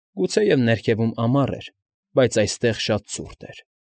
Գուցեև ներքևում ամառ էր, բայց այստեղ շատ ցուրտ էր։